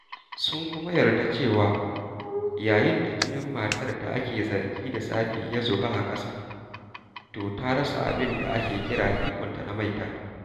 Sun kuma yarda cewa yayin da jinin matar da ake zargi da tsafi ya zuba a ƙasa, to ta rasa abinda ake kira ikonta na maita.